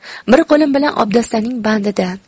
bir qo'lim bilan obdastaning bandidan